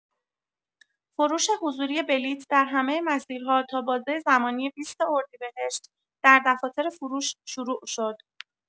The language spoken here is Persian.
فروش حضوری بلیت در همه مسیرها تا بازه زمانی ۲۰ اردیبهشت در دفاتر فروش شروع شد.